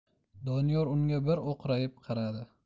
doniyor unga bir o'qrayib qaradi